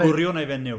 Gwryw neu fenyw?